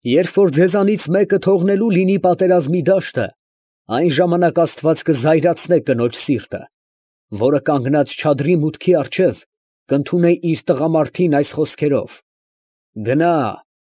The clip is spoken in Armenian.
Երբ որ ձեզանից մեկը թողնելու լինի պատերազմի դաշտը, այն ժամանակ աստված կզայրացնե կնոջ սիրտը, որը կանգնած չադրի մուտքի առջև, կընդունե իր տղամարդին այս խոսքերով. «Գնա՛,